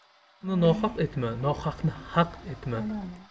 haqni nohaq etma nohaqni haq etma